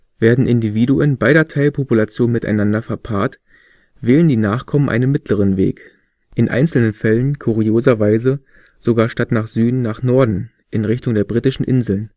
Werden Individuen beider Teilpopulationen miteinander verpaart, wählen die Nachkommen einen mittleren Weg – in einzelnen Fällen kurioserweise sogar statt nach Süden nach Norden, in Richtung der Britischen Inseln